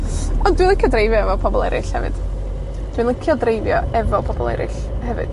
Ond dwi licio dreifio efo pobol eryll hefyd. Dwi'n licio dreifio efo pobol eryll, hefyd.